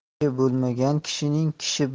kishi bo'lmagan kishining kishi